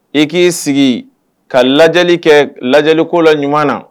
I k'i sigi ka lajɛli kɛ lajɛliko la ɲuman na